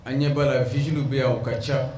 An ɲɛ b'a la vigile u bɛ yan u ka can